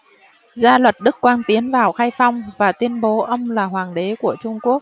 da luật đức quang tiến vào khai phong và tuyên bố ông là hoàng đế của trung quốc